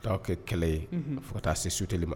Ka taa kɛ kɛlɛ ye, unhun, fɔ ka taa se souter li man!